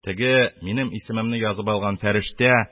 Теге, минем исемемне язып алган фәрештә,